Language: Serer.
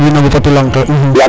Wiin we nqupatu lanq ke,